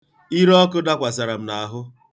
Ireọkụ dakwasara m n'ahụ.